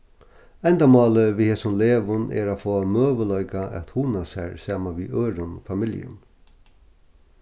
endamálið við hesum legum er at fáa møguleika at hugna sær saman við øðrum familjum